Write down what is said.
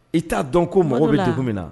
I t'a dɔn ko maa mɔgɔw bɛ dugu min na